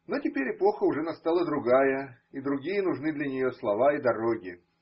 Но теперь эпоха уже настала другая, и другие нужны для нее слова и дороги.